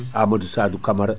Amadou Sadou Camara